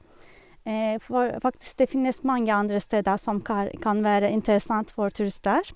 For faktisk det finnes mange andre steder som kar kan være interessant for turister.